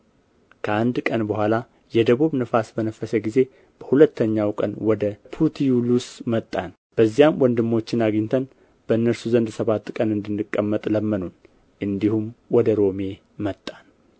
ከአንድ ቀን በኋላም የደቡብ ነፋስ በነፈሰ ጊዜ በሁለተኛው ቀን ወደ ፑቲዮሉስ መጣን በዚያም ወንድሞችን አግኝተን በእነርሱ ዘንድ ሰባት ቀን እንድንቀመጥ ለመኑን እንዲሁም ወደ ሮሜ መጣን